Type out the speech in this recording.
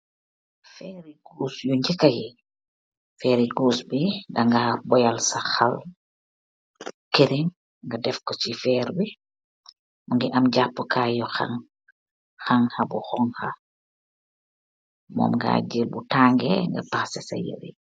feeri kehreng la